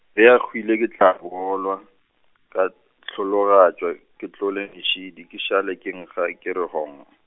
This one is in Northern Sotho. ge a hwile ke tla boolwa, ka hlologatšwa, ke tlole mešidi ke šale ke nkga, ke re hong.